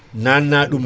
nanna ɗum